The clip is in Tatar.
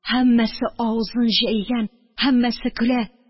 Һәммәсе авызын җәйгән, һәммәсе көлә: